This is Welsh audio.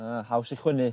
Yy haws i chwynnu.